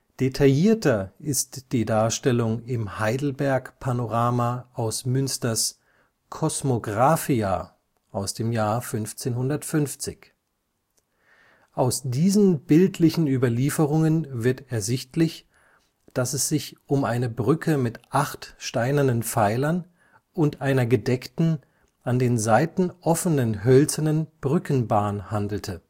Detaillierter ist die Darstellung im Heidelberg-Panorama aus Münsters Cosmographia (1550). Aus diesen bildlichen Überlieferungen wird ersichtlich, dass es sich um eine Brücke mit acht steinernen Pfeilern und einer gedeckten, an den Seiten offenen hölzernen Brückenbahn handelte